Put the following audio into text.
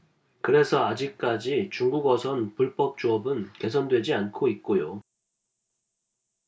그래서 아직까지 중국어선 불법조업은 개선되지 않고 있고요